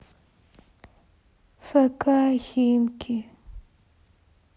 фк химки